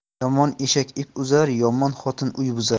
yomon eshak ip uzar yomon xotin uy buzar